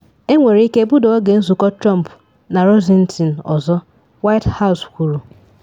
Enwere ike budaa oge nzụkọ Trump na Rosenstein ọzọ, White House kwuru